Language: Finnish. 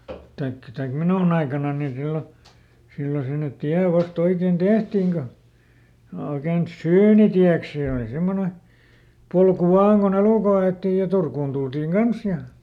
tai tai minun aikanani silloin silloin sinne tie vasta oikein tehtiin kun oikein syynitieksi se oli semmoinen polku vain kun elukoita alettiin ja Turkuun tultiin kanssa ja